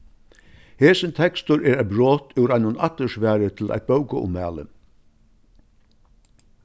hesin tekstur er eitt brot úr einum aftursvari til eitt bókaummæli